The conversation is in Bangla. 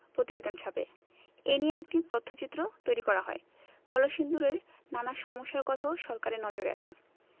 প্রতিবেদন ছাপে এ নিয়ে একটি তথ্যচিত্রও তৈরি করা হয় কলসিন্দুরের নানা সমস্যার কথাও সরকারের নজরে আসে